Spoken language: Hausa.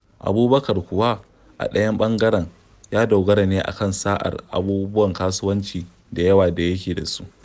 Abubakar kuwa, a ɗaya ɓangaren, ya dogara ne a kan "sa'ar" "abubuwan kasuwanci da yawa" da yake da su.